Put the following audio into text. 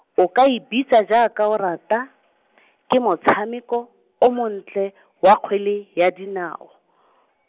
o ka e bitsa jaaka o rata, ke motshameko, o montle, wa kgwele, ya dinao .